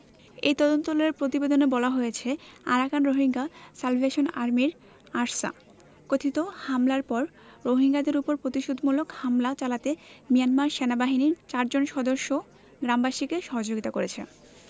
এই তদন্তদলের প্রতিবেদনে বলা হয়েছে আরাকান রোহিঙ্গা স্যালভেশন আর্মির আরসা কথিত হামলার পর রোহিঙ্গাদের ওপর প্রতিশোধমূলক হামলা চালাতে মিয়ানমার সেনাবাহিনীর চারজন সদস্য গ্রামবাসীকে সহযোগিতা করেছে